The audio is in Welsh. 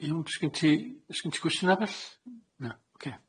Huw sgyn ti, sgen ti gwestiyna arall?